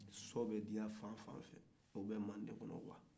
sɔ bɛ diɲa fan wo fan fɛ o bɛ manden kɔnɔ